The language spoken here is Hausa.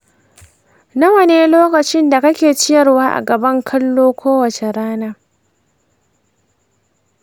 nawa ne lokacin da kake ciyarwa a gaban kallo kowace rana?